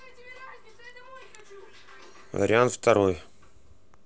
вариант второй